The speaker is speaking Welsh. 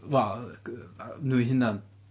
Wel yy nhw eu hunain.